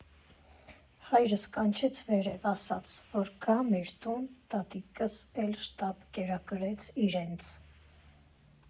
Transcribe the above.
Հայրս կանչեց վերև, ասաց, որ գան մեր տուն, տատիկս էլ շտապ կերակրեց իրենց։